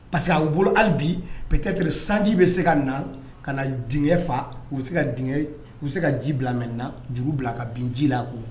Pa parce que a' bolo hali bi ptetɛ sanji bɛ se ka na ka na d fa u se u se ka ji bila mɛ na juru bila ka bin ji la o